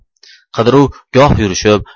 qidiruv goh yurishib